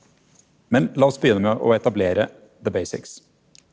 men la oss begynne med å etablere .